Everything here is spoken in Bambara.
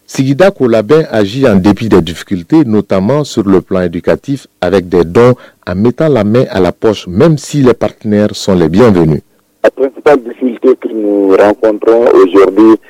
Sigida k labɛn az yan debida dusute no taama s laplidi kati de dɔn a bɛ taa la mɛ apɔs mɛ misi si lapretiy2 debi de